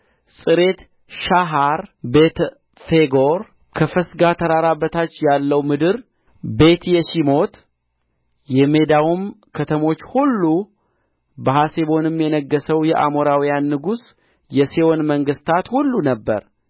ጼሬትሻሐር ቤተ ፌጎር ከፈስጋ ተራራ በታች ያለው ምድር ቤትየሺሞት የሜዳውም ከተሞች ሁሉ በሐሴቦንም የነገሠው የአሞራውያን ንጉሥ የሴዎን መንግሥት ሁሉ ነበረ